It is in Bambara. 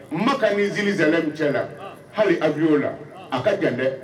Ma ka min z zanɛ min cɛ na hali abuy oo la a ka jan dɛ